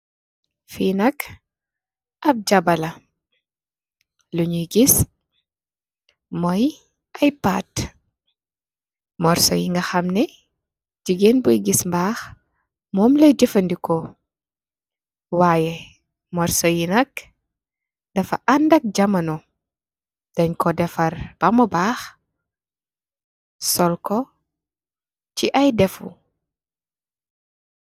Fi nak ap jamaba la lu nyui giss moi paypad morsox yi nga hamnex jigeen boi giss mbax momm lay jefendeko yayeh morsox yi nak dafa andak jamano deng ko defar beem bakx sol ko si ay defu.